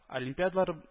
Олимпиадалар